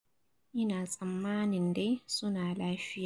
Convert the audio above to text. Ina tsammanin dai su na lafiya.”